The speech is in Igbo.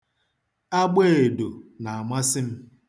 Agba edo na-amasị m.